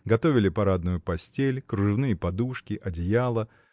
Готовили парадную постель, кружевные подушки, одеяло.